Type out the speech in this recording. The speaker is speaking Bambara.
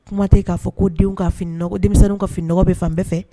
Kuma tɛ k'a fɔ ko denw ka fini denmisɛnninw ka finiɔgɔ bɛ fan bɛɛ fɛ